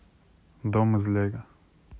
дом из лего